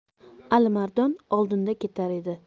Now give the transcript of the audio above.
alimardon oldinda ketar edi